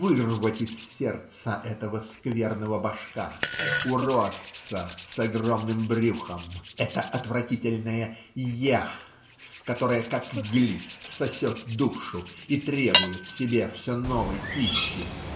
Вырвать из сердца этого скверного божка, уродца с огромным брюхом, это отвратительное Я, которое, как глист, сосет душу и требует себе все новой пищи.